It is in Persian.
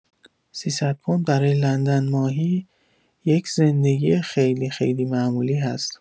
۳۰۰ پوند برای لندن ماهی یک زندگی خیلی خیلی معمولی هست.